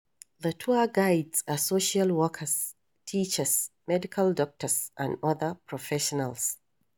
The tour guides are social workers, teachers, medical doctors and other professionals.